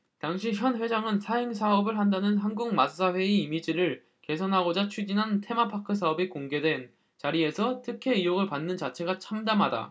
당시 현 회장은 사행사업을 한다는 한국마사회의 이미지를 개선하고자 추진한 테마파크 사업이 공개된 자리에서 특혜 의혹을 받는 자체가 참담하다